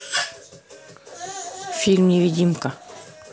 фильм невидимка